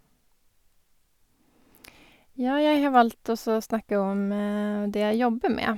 Ja, jeg har valgt å så snakke om det jeg jobber med.